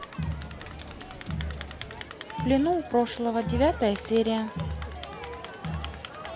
в плену у прошлого девятая серия